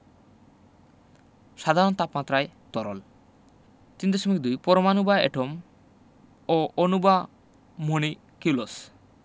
সাধারণ তাপমাত্রায় তরল ৩.২ পরমাণু বা এটম ও অণু বা মলিকিউলস